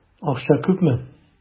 Акча күпме?